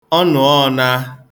ọnụ̀ọọ̄nāā